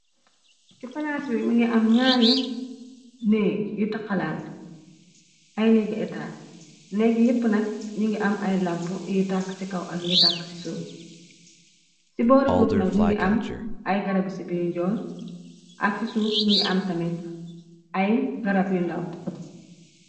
Ci palaas wi mi ngi am ñaari néeg yu taxalaant ay néggi étaas neggi yépp nak ñu ngi am ay lamp yiy tàkk ci kaw ak yi tàkk ci suuf ci boori fouf nak mi ngi am ay garab ci bi yu njool ak ci suuf mingi am tamit ay garab yu ndaw.